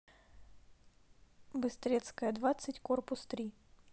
быстрецкая двадцать корпус три